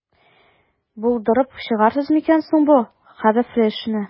Булдырып чыгарсыз микән соң бу хәвефле эшне?